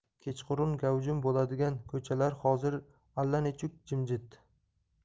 kechqurun gavjum bo'ladigan ko'chalar hozir allanechuk jimjit